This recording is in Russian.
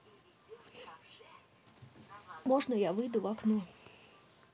можно я выйду в окно